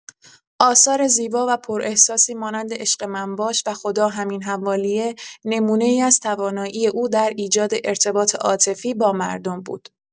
آثار زیبا و پراحساسی مانند عشق من باش و خدا همین حوالیه نمونه‌ای از توانایی او در ایجاد ارتباط عاطفی با مردم بود.